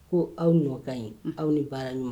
Ko aw ɲɔgɔn ka ɲi aw ni baara ɲuman